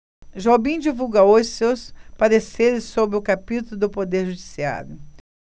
jobim divulga hoje seus pareceres sobre o capítulo do poder judiciário